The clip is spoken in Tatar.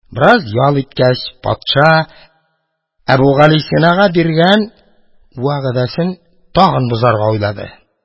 Бераз ял иткәч, патша Әбүгалисинага биргән вәгъдәсен тагын бозарга уйлады.